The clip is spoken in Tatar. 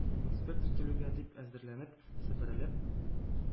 Инспектор килүгә дип әзерләнеп себерелеп